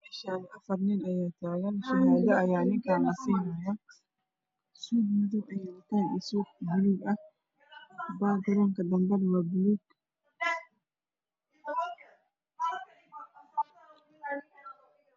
Meshaani afar nin ayaa taga shahaado ayaa nin kaa lasinaayaa suud madow ey wataan iyo suud baluug ah baykaronak dambo waa baluug